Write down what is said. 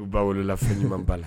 U b'a wolo la fɛnji b'a la